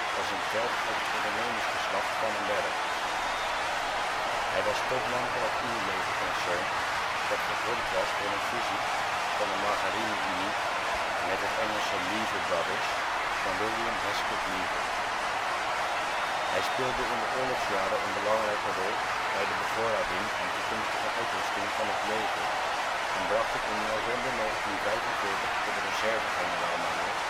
was een telg uit het ondernemersgeslacht Van den Bergh. Hij was topman van het Unilever-concern, dat gevormd was door een fusie van de Margarine Unie met het Engelse Lever Brothers van William Hesketh Lever. Hij speelde in de oorlogsjaren een belangrijke rol bij de bevoorrading en toekomstige uitrusting van het leger en bracht het in november 1945 tot reserve generaal-majoor